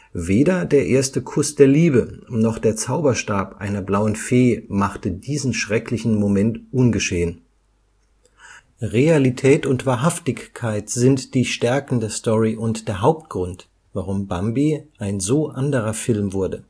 Weder der erste Kuss der Liebe noch der Zauberstab einer Blauen Fee machte diesen schrecklichen Moment ungeschehen. Realität und Wahrhaftigkeit sind die Stärken der Story und der Hauptgrund, warum Bambi ein so anderer Film wurde